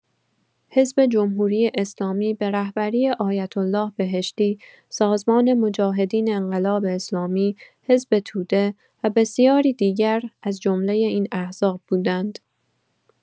حزب جمهوری‌اسلامی به رهبری آیت‌الله بهشتی، سازمان مجاهدین انقلاب اسلامی، حزب توده و بسیاری دیگر از جمله این احزاب بودند.